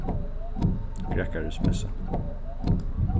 grækarismessa